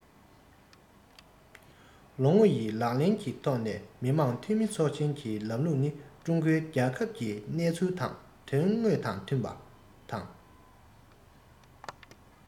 ལོ ངོ ཡི ལག ལེན གྱི ཐོག ནས མི དམངས འཐུས མི ཚོགས ཆེན གྱི ལམ ལུགས ནི ཀྲུང གོའི རྒྱལ ཁབ ཀྱི གནས ཚུལ དང དོན དངོས དང མཐུན པ དང